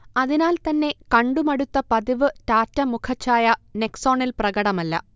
അതിനാൽതന്നെ കണ്ടുമടുത്ത പതിവ് ടാറ്റ മുഖഛായ നെക്സോണിൽ പ്രകടമല്ല